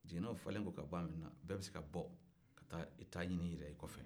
jiginɛw falen ko ka ban bɛɛ bɛ se ka bɔ ka taa i ta ɲini i yɛrɛ ye kɔfɛ